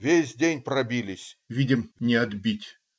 весь день пробились, видим - не отбить.